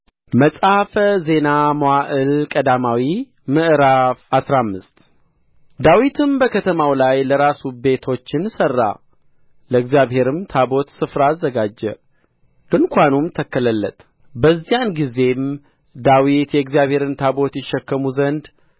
መጽሐፈ ዜና መዋዕል ቀዳማዊ ምዕራፍ አስራ አምስት ዳዊትም በከተማው ላይ ለራሱ ቤቶችን ሠራ ለእግዚአብሔርም ታቦት ስፍራ አዘጋጀ ድንኳንም ተከለለት በዚያን ጊዜም ዳዊት የእግዚአብሔርን ታቦት ይሸከሙ ዘንድ